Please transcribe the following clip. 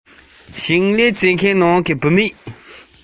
བརྐུས ནས ཟ ཡི ཡོད